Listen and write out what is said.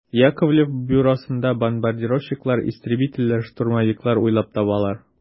Яковлев бюросында бомбардировщиклар, истребительләр, штурмовиклар уйлап табалар.